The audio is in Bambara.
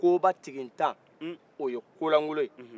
koba tigitan o ye kolankolo ye